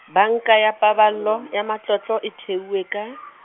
Banka ya Paballo, ya Matlotlo e theilwe ka .